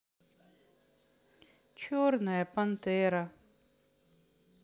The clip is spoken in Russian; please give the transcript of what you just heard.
черная пантера